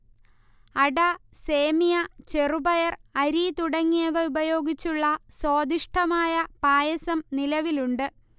അട, സേമിയ, ചെറുപയർ, അരി തുടങ്ങിയവ ഉപയോഗിച്ചുള്ള സ്വാദിഷ്ഠമായ പായസം നിലവിലുണ്ട്